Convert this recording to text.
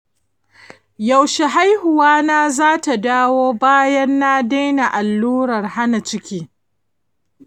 yaushe haihuwa na zata dawo bayan na daina allurar hana ciki?